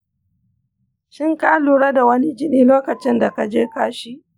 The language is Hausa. shin ka lura da wani jini lokacin da ka je kashi?